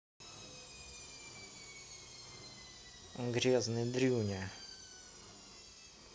грозный дрюня